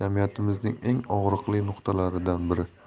ajrimlar jamiyatimizning eng og'riqli nuqtalaridan biri